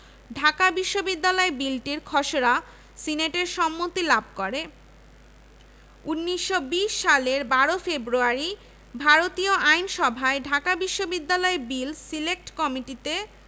ঢাকা বিশ্ববিদ্যালয় বিলটির খসড়া সিনেটের সম্মতি লাভ করে ১৯২০ সালের ১২ ফেব্রুয়ারি ভারতীয় আইনসভায় ঢাকা বিশ্ববিদ্যালয় বিল সিলেক্ট কমিটিতে